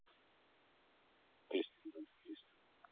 песни на адыгейском